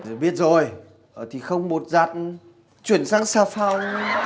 rồi biết rồi ờ thì không bột giặt chuyển sang xà phòng